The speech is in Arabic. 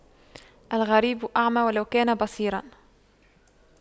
الغريب أعمى ولو كان بصيراً